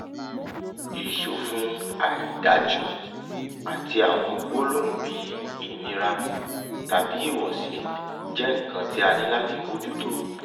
Ìṣòfin àìdájú àti àwọn gbólóhùn bíi "ìnira" tàbí "ìwọ̀sí" jẹ́ nǹkan tí a ní láti mójútó.